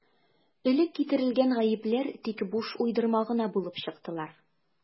Элек китерелгән «гаепләр» тик буш уйдырма гына булып чыктылар.